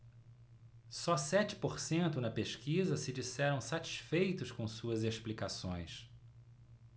só sete por cento na pesquisa se disseram satisfeitos com suas explicações